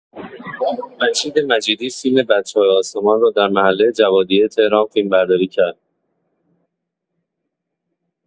مجید مجیدی فیلم بچه‌های آسمان را در محله جوادیه تهران فیلمبرداری کرد.